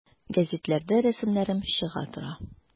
Гәзитләрдә рәсемнәрем чыга тора.